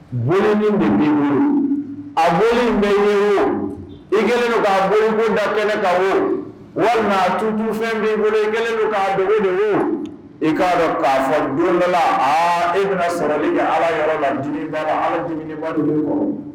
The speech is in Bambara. Bɛ a bolo bɛ ye ye i kɛlen don ka bɔkun da kelen ka wo walima tubufɛn min bolo don k'a don de i k'a dɔn k'a fɔda la aa e bɛna sɔrɔli ka ala yɔrɔ la la alaba dumuni kɔnɔ